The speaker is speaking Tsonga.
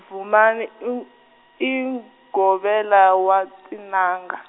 Vhumani, ing- i govela wa tinanga.